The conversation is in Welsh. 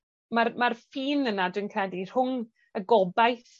ma'r ma'r ffin yna dwi'n credu rhwng y gobaith